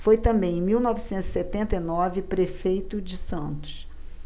foi também em mil novecentos e setenta e nove prefeito de santos